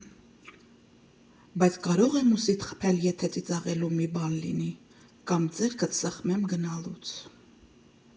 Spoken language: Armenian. Բայց կարո՞ղ եմ ուսիդ խփել, եթե ծիծաղալու մի բան լինի կամ ձեռքդ սեղմեմ գնալուց։